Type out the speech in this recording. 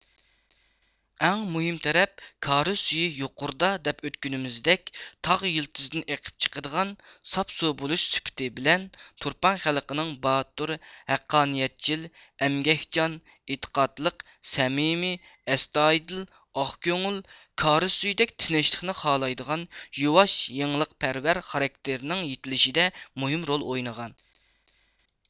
ئەڭ مۇھىم تەرەپ كارىز سۈيى يۇقۇرىدا دەپ ئۆتكىنىمىزدەك تاغ يىلتىزىدىن ئېقىپ چىقىدىغان ساپ سۇ بولۇش سۈپىتى بىلەن تۇرپان خەلقىنىڭ باتۇر ھەققانىيەتچىل ئەمگەكچان ئېتىقادلىق سەمىمىي ئەستايىدىل ئاقكۆڭۈل كارىز سۈيىدەك تىنىچلىقنى خالايدىغان يۇۋاش يېڭىلىقپەرۋەر خاراكتىرىنىڭ يېتىلىشىدە مۇھىم رول ئوينىغان